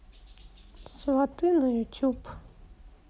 сваты на ютуб